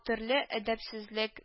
Төрле әдәпсезлек